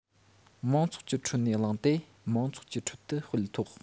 མང ཚོགས ཀྱི ཁྲོད ནས བླངས ཏེ མང ཚོགས ཀྱི ཁྲོད དུ སྤེལ ཐོག